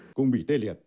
cũng bị tê liệt